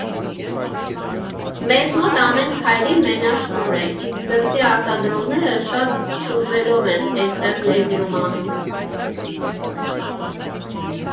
Մեզ մոտ ամեն քայլին մենաշնորհ է, իսկ դրսի արտադրողները շատ չուզելով են էստեղ ներդրում անում։